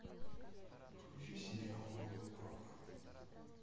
включи сериал молодой папа